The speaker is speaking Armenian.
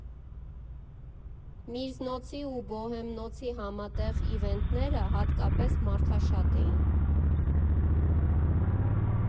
Միրզնոցի ու Բոհեմնոցի համատեղ իվենթները հատկապես մարդաշատ էին։